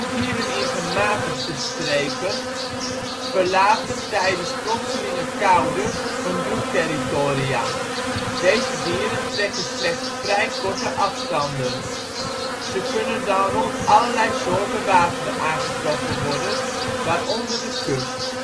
dieren in gematigde streken verlaten tijdens plotselinge koude hun broedterritoria. Deze dieren trekken slechts vrij korte afstanden. Ze kunnen dan rond allerlei soorten wateren aangetroffen worden, waaronder de kust